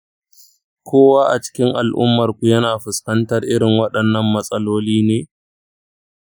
kowa a cikin al’ummarku yana fuskantar irin waɗannan matsaloli ne?